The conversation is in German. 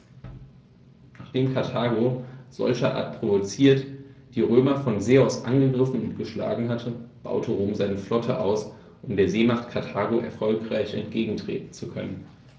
Nachdem Karthago, solcherart provoziert, die Römer von See aus angegriffen und geschlagen hatte, baute Rom seine Flotte aus, um der Seemacht Karthago erfolgreich entgegentreten zu können.